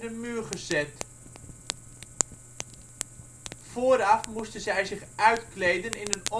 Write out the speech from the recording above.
muur gezet. Vooraf moesten zij zich uitkleden in